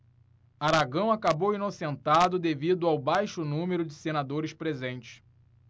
aragão acabou inocentado devido ao baixo número de senadores presentes